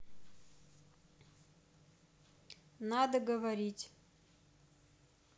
надо говорить